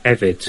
...hefyd.